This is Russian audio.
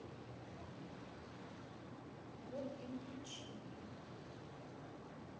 вот и включи их